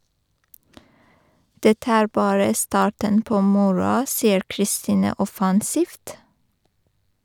- Dette er bare starten på moroa, sier Kristine offensivt.